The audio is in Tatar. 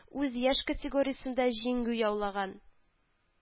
Үз яшь категориясендә җиңү яулаган